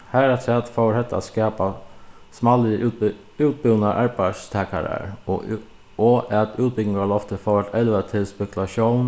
harafturat fór hetta at skapa smalri útbúnar arbeiðstakarar og og at útbúgvingarloftið fór at elva til spekulatión